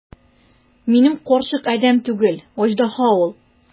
Минем карчык адәм түгел, аждаһа ул!